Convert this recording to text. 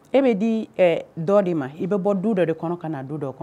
E bɛ di dɔ di ma i bɛ bɔ du dɔ de kɔnɔ ka na du dɔ kɔnɔ